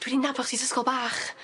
Dwi 'di nabod chdi 's ysgol bach.